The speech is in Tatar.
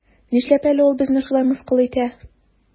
Нишләп әле ул безне шулай мыскыл итә?